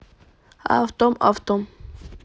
атом атом